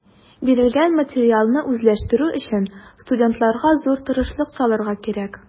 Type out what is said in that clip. Бирелгән материалны үзләштерү өчен студентларга зур тырышлык салырга кирәк.